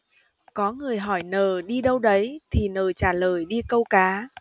có người hỏi n đi đâu đấy thì n trả lời đi câu cá